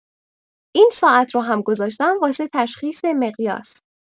این ساعت رو هم گذاشتم واسه تشخیص مقیاس